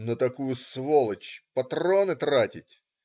"На такую сволочь патроны тратить!